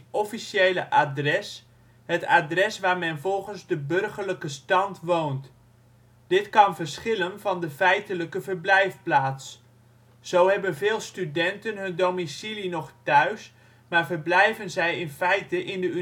officiële adres ", het adres waar men volgens de burgerlijke stand woont. Dit kan verschillen van de feitelijke verblijfplaats. Zo hebben veel studenten hun domicilie nog thuis, maar verblijven zij in feite in de